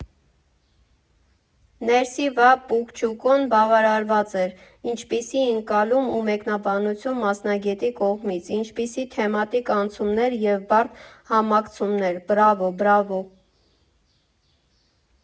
Ներսի Վա Պուկչուկոն բավարարված էր՝ ինչպիսի՜ ընկալում ու մեկնաբանություն մասնագետի կողմից, ինչպիսի՜ թեմատիկ անցումներ և բարդ համակցումներ, բրա՛վո, բրա՜վո։